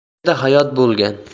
bu yerda hayot bo'lgan